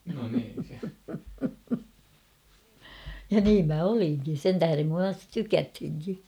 ja niin minä olinkin sen tähden minusta tykättiinkin